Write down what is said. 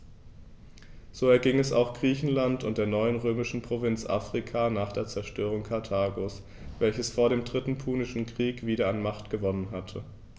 So erging es auch Griechenland und der neuen römischen Provinz Afrika nach der Zerstörung Karthagos, welches vor dem Dritten Punischen Krieg wieder an Macht gewonnen hatte.